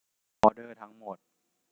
ออเดอร์ทั้งหมด